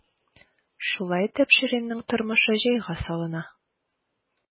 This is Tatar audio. Шулай итеп, Ширинның тормышы җайга салына.